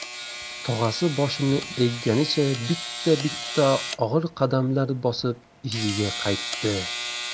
tog'asi boshini egganicha bitta bitta og'ir qadamlar bosib iziga qaytdi